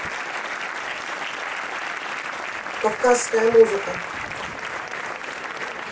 кавказская музыка